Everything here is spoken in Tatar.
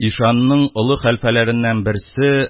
Ишанның олы хәлфәләреннән берсе